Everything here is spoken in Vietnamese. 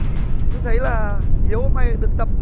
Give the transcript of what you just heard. tôi thấy là hiếu hôm nay được tập